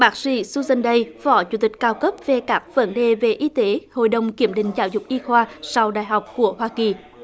bác sĩ su sần đây phó chủ tịch cao cấp về các vấn đề về y tế hội đồng kiểm định giáo dục y khoa sau đại học của hoa kỳ